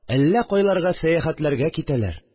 Әллә кайларга сәяхәтләргә китәләр